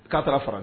K'a taara f